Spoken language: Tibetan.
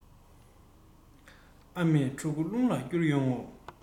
ཨ མས ཕྲུ གུ རླུང ལ བསྐུར ཡོང ངོ